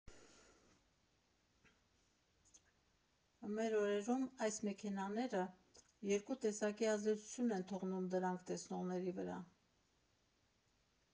Մեր օրերում այս մեքենաները երկու տեսակի ազդեցություն են թողնում դրանք տեսնողների վրա։